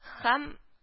Һам